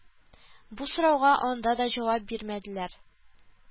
Бу сорауга анда да җавап бирмәделәр